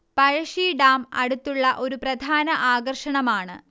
Pazhassi dam അടുത്തുള്ള ഒരു പ്രധാന ആകർഷണമാണ്